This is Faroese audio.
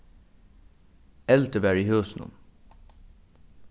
eldur var í húsinum